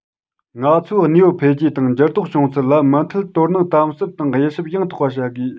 ང ཚོས གནས བབ འཕེལ རྒྱས དང འགྱུར ལྡོག བྱུང ཚུལ ལ མུ མཐུད དོ སྣང དམ ཟབ དང དབྱེ ཞིབ ཡང དག བྱ དགོས